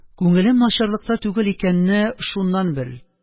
– күңелем начарлыкта түгел икәнне шуннан бел